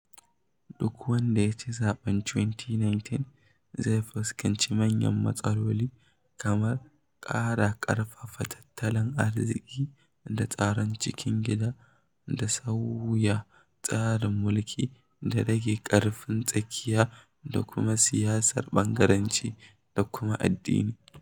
Duk wanda yaci zaɓen 2019 zai fuskance manyan matsaloli kamar ƙara ƙarfafa tattalin arziƙi da tsaron cikin gida da sauya tsarin mulki da rage ƙarfin tsakiya da kuma siyasar ɓangaranci da kuma addini.